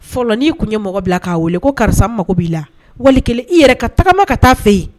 Fɔlɔin tun ye mɔgɔ bila k'a weele ko karisa mago b'i la wali i yɛrɛ ka tagama ka taa fɛ yen